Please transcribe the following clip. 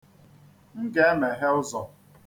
M ga-emehe ụzọ.